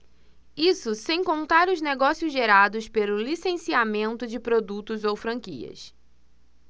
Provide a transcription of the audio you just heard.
isso sem contar os negócios gerados pelo licenciamento de produtos ou franquias